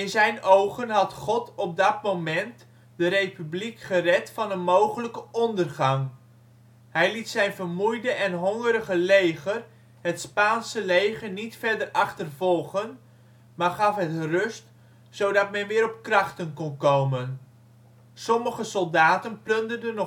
zijn ogen had God op dat moment de Republiek gered van een mogelijke ondergang. Hij liet zijn vermoeide en hongerige leger het Spaanse leger niet verder achtervolgen, maar gaf het rust zodat men weer op krachten kon komen. Sommige soldaten plunderden